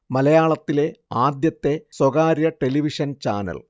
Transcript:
മലയാളത്തിലെ ആദ്യത്തെ സ്വകാര്യ ടെലിവിഷൻ ചാനൽ